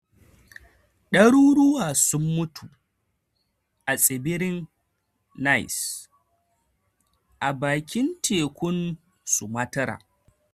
Daruruwa sun mutu a tsibirin Nias, a bakin tekun Sumatra.